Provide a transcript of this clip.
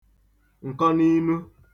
nkọninu